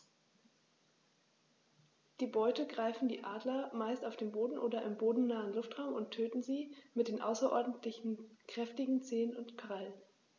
Die Beute greifen die Adler meist auf dem Boden oder im bodennahen Luftraum und töten sie mit den außerordentlich kräftigen Zehen und Krallen.